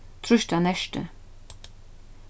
trýst á nertið